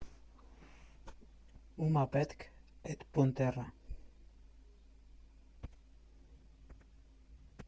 ֊Ումա պետք էտ բունտերը։